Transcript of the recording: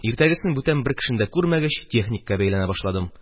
Иртәгесен, бүтән бер кешене дә күрмәгәч, техникка бәйләнә башладым.